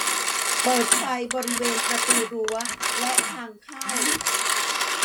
เปิดไฟบริเวณประตูรั้วและทางเข้า